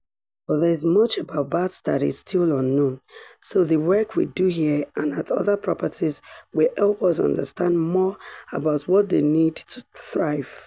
But there is much about bats that is still unknown, so the work we do here and at other properties will help us understand more about what they need to thrive."